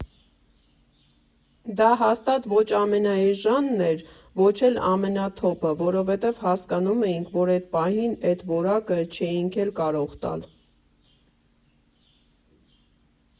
Դա հաստատ ոչ ամենաէժանն էր, ոչ էլ ամենաթոփը, որովհետև հասկանում էինք, որ էդ պահին էդ որակը չէինք էլ կարող տալ։